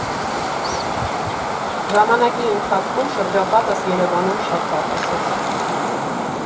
Ժամանակի ընթացքում շրջապատս Երևանում շատ պակասեց։